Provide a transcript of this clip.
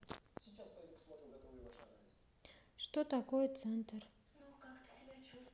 что такое центр